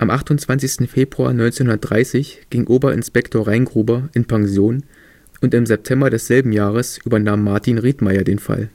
28. Februar 1930 ging Oberinspektor Reingruber in Pension, und im September desselben Jahres übernahm Martin Riedmayer den Fall